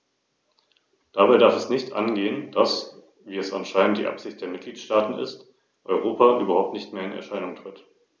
Tatsächlich ist das derzeitige Verfahren nur der letzte Abschnitt einer langen Geschichte der Annahme eines EU-Patents, die bis 1990 zurückreicht und nur von zwölf Mitgliedstaaten gefordert wurde.